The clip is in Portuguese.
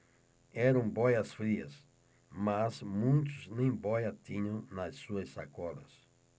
eram bóias-frias mas muitos nem bóia tinham nas suas sacolas